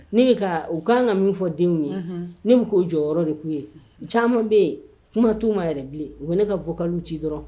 Ne bɛ u kan ka min fɔ denw ye ne bɛ ko jɔyɔrɔ de k'u ye caman bɛ yen kuma t'u ma yɛrɛ bilen u bɛ ne ka bɔka ci dɔrɔn